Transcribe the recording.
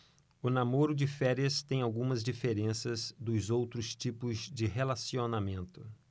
o namoro de férias tem algumas diferenças dos outros tipos de relacionamento